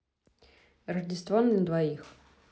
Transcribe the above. рождество на двоих